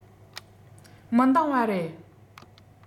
མི འདང བ རེད